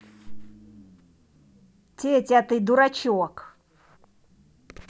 теть а ты дурачок